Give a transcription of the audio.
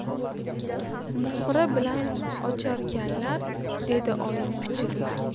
muhra bilan ocharkanlar dedi oyim pichirlab